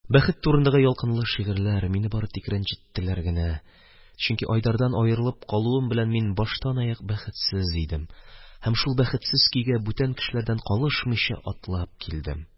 Бәхет турындагы очкынлы җырлар мине бары тик рәнҗеттеләр генә, чөнки Айдардан аерылып калуым белән мин баштанаяк бәхетсез идем һәм шул бәхетсез көйгә бүтән кешеләрдән калышмыйча атлап килдем.